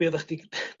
be' oddac chdi